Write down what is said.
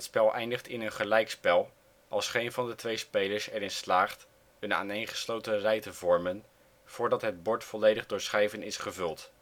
eindigt in een gelijkspel als geen van de twee spelers er in slaagt een aaneengesloten rij te vormen voordat het bord volledig door schijven is gevuld